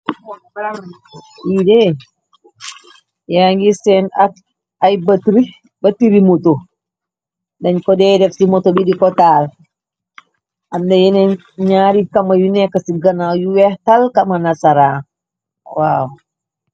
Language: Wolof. Li dee yaa ngi seen ak ay battery muto , deñ ko dee def ci moto bi di ko taal , am na yeneen ñaari kama yu nekk ci ganaw yu weex talkamana saraan waaw.